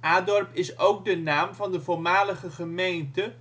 Adorp is ook de naam van de voormalige gemeente